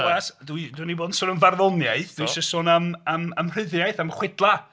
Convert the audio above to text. Dwi... dan ni 'di bod yn sôn am farddoniaeth, dwisho sôn am... am... am rhyddiaith, am chwedlau.